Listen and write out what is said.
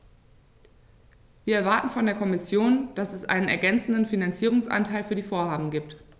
Wir erwarten von der Kommission, dass es einen ergänzenden Finanzierungsanteil für die Vorhaben gibt.